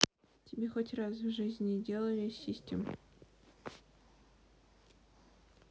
тебе хоть раз в жизни делали систем